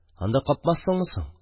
– анда капмассыңмы соң?